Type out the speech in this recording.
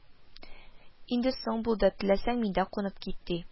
– инде соң булды, теләсәң миндә кунып кит, – ди